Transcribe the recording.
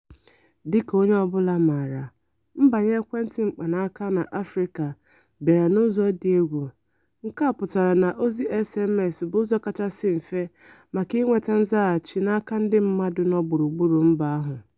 Dịka onye ọbụla maara, mbanye ekwentị mkpanaaka n'Afrịka bịara n'ụzọ dị egwu, nke a pụtara na ozi SMS bụ ụzọ kachasị mfe maka inweta nzaghachi n'aka ndị mmadụ nọ gburugburu mba ahụ.